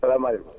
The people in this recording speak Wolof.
salaamaaleykum